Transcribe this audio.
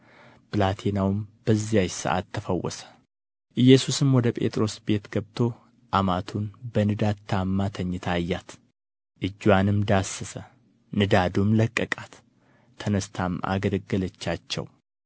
ብላቴናውም በዚያች ሰዓት ተፈወሰ ኢየሱስም ወደ ጴጥሮስ ቤት ገብቶ አማቱን በንዳድ ታማ ተኝታ አያት እጅዋንም ዳሰሰ ንዳዱም ለቀቃት ተነሥታም አገለገለቻቸው